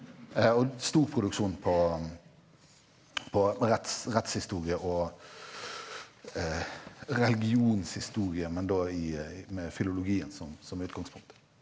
og stor produksjon på på rettshistorie og religionshistorie men da i med filologien som som utgangspunktet.